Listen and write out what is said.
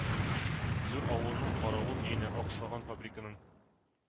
Зур авылның каравыл өенә охшаган фабриканың